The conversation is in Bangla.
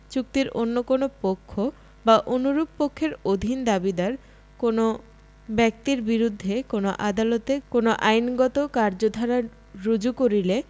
চুক্তির অন্য কোন পক্ষ বা অনুরূপ পক্ষের অধীন দাবিীদার কোন ব্যক্তির বিরুদ্ধে কোন আদালতে কোন আইনগত কার্যধারা রুজু করিলে